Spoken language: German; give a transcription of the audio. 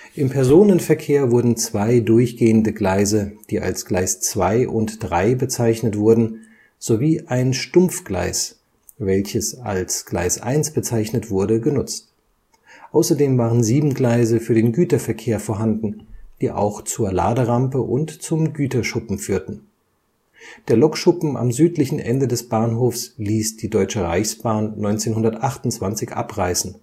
Im Personenverkehr wurden zwei durchgehende Gleise, die als Gleis 2 und 3 bezeichnet wurden, sowie ein Stumpfgleis, welches als Gleis 1 bezeichnet wurde, genutzt. Außerdem waren sieben Gleise für den Güterverkehr vorhanden, die auch zur Laderampe und zum Güterschuppen führten. Der Lokschuppen am südlichen Ende des Bahnhofs ließ die Deutsche Reichsbahn 1928 abreißen